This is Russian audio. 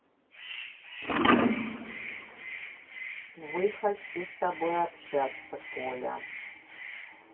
вы хочу с тобой общаться поля